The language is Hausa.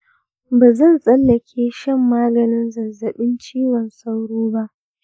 ba zan tsallake shan maganin zazzaɓin cizon sauro ba.